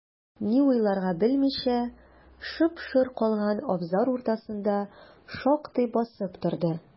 Ни уйларга белмичә, шып-шыр калган абзар уртасында шактый басып торды.